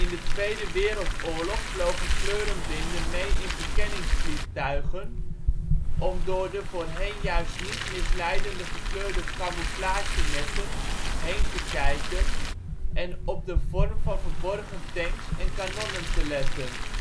de Tweede Wereldoorlog vlogen kleurenblinden mee in verkenningsvliegtuigen om door de (voor hen juist niet) misleidend gekleurde camouflagenetten heen te kijken en op de vorm van verborgen tanks en kanonnen te letten